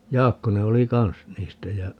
Jaakkonen oli kanssa niistä ja